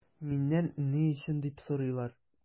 Миннән “ни өчен” дип сорыйлар.